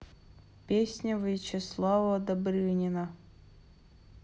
песня вячеслава добрынина